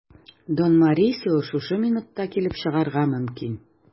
Дон Морисио шушы минутта килеп чыгарга мөмкин.